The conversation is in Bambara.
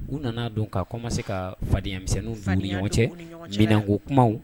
U nana don' kɔ ma se ka fadiyamisɛnninw fa ni ɲɔgɔn cɛ minɛnko kumaw